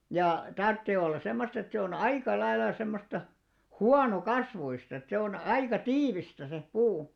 ja tarvitsee olla semmoista että se on aika lailla semmoista huonokasvuista että se on aika tiivistä se puu